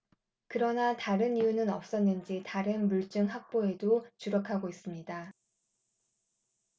그러나 다른 이유는 없었는지 다른 물증 확보에도 주력하고 있습니다